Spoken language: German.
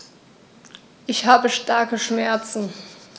Ich habe starke Schmerzen.